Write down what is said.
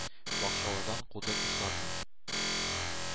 Бакчалардан куды кошларны,